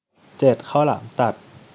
เจ็ดข้าวหลามตัด